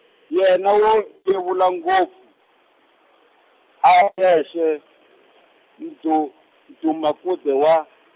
yena wo yevula ndlopfu, a yexe, ndu-, mdumakude wa.